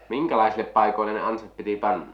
minkälaisille paikoille ne ansat piti panna